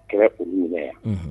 A kɛra olu minɛ yan